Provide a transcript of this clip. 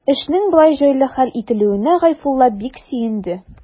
Эшнең болай җайлы хәл ителүенә Гайфулла бик сөенде.